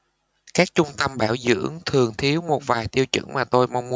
các trung tâm bảo dưỡng thường thiếu một vài tiêu chuẩn mà tôi mong muốn